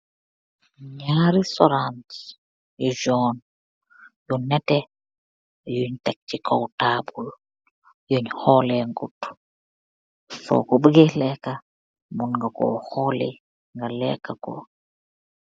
Njaari sohransss yu jaune, lu nehteh yungh tek chi kaw taabul, yung horleh ngut, sorkor bugeh lekah munga kor horli nga lekah kor.